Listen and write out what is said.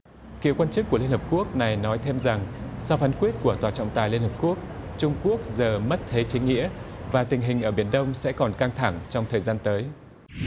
cựu quan chức của liên hiệp quốc này nói thêm rằng sau phán quyết của tòa trọng tài liên hiệp quốc trung quốc giờ mất thế chính nghĩa và tình hình ở biển đông sẽ còn căng thẳng trong thời gian tới